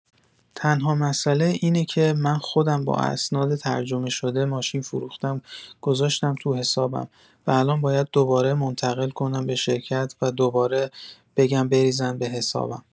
تنها مساله اینکه من خودم با اسناد ترجمه‌شده ماشین فروختم گذاشتم تو حسابم و الان باید دوباره منتقل کنم به شرکت و دوباره بگم بریزن به حسابم.